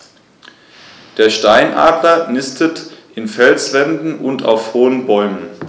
Der Steinadler nistet in Felswänden und auf hohen Bäumen.